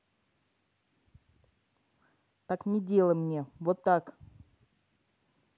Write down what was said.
так не делай мне вот так